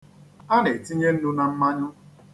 A na-etinye nnu na mmanụ.